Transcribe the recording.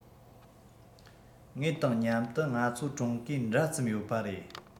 ངེས དང མཉམ དུ ང ཚོ ཀྲུང གོའི འདྲ ཙམ ཡོད པ རེད